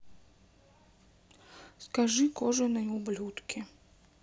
скажи кожаные ублюдки